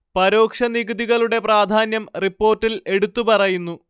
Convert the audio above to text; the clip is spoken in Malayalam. പരോക്ഷ നികുതികളുടെ പ്രാധാന്യം റിപ്പോർട്ടിൽ എടുത്തു പറയുന്നു